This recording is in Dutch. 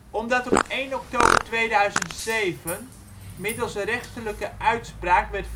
Omdat op 1 oktober 2007 middels rechterlijke uitspraak werd